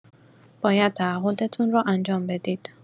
باید تعهدتون را انجام بدید